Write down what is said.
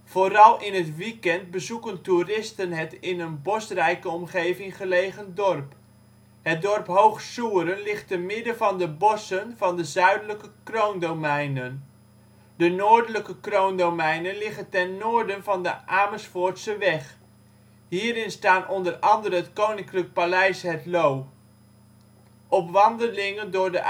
Vooral in het weekend bezoeken toeristen het in een bosrijke omgeving gelegen dorp. Het dorp Hoog Soeren ligt te midden van de bossen van de zuidelijke Kroondomeinen. De noordelijke Kroondomeinen liggen ten noorden van de Amersfoortseweg. Hierin staan o.a. het Koninklijk Paleis " Het Loo ". Op wandelingen door de uitgestrekte